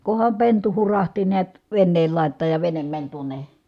kunhan pentu hurahti näet veneen laitaan ja vene meni tuonne